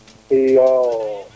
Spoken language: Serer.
iyoo